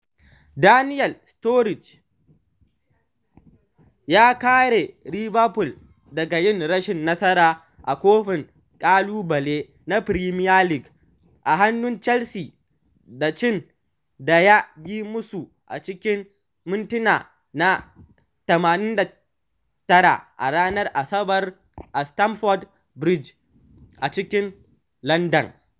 Daniel Sturridge ya kare Liverpool daga yin rashin nasara a kofin ƙalubale na Premier League a hannun Chelsea da cin da ya yi mu su a cikin mintina na 89 a ranar Asabar a Stamford Bridge a cikin Landan.